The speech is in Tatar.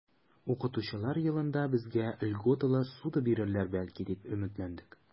Укытучылар елында безгә льготалы ссуда бирерләр, бәлки, дип өметләндек.